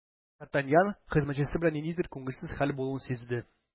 Д’Артаньян хезмәтчесе белән ниндидер күңелсез хәл булуын сизде.